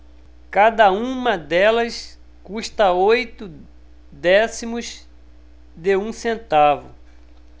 cada uma delas custa oito décimos de um centavo